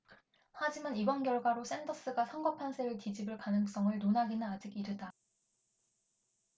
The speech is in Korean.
하지만 이번 결과로 샌더스가 선거 판세를 뒤집을 가능성을 논하기는 아직 이르다